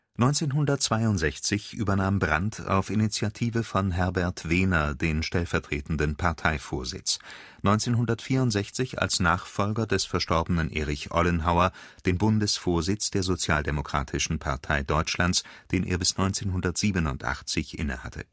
1962 übernahm Brandt auf Initiative von Herbert Wehner den stellvertretenden Parteivorsitz, 1964 als Nachfolger des verstorbenen Erich Ollenhauer den Bundesvorsitz der Sozialdemokratischen Partei Deutschlands, den er bis 1987 innehatte